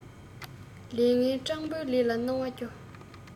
ལས ངན སྤྲང པོའི ལས ལ སྣང བ སྐྱོ